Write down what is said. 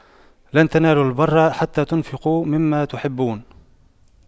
لَن تَنَالُواْ البِرَّ حَتَّى تُنفِقُواْ مِمَّا تُحِبُّونَ